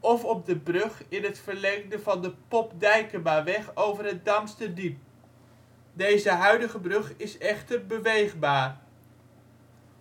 of op de brug in het verlengde van de Pop Dijkemaweg over het Damsterdiep. Deze huidige brug is echter beweegbaar.